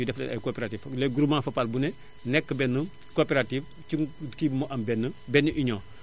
ñu def leen ay coopérative léegi groupement Fapal bu ne nekk benn coopérative ci ki bi mu am benn benn union